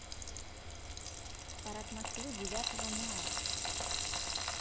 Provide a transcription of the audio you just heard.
парад москвы девятого мая